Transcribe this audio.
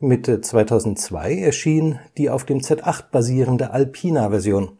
Mitte 2002 erschien die auf dem Z8 basierende Alpina-Version.